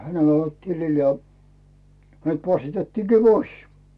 hänellä oli ollut tilillä ja hänet passitettiinkin pois